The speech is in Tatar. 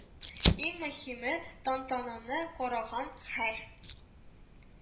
Иң мөһиме тантананы караган һәр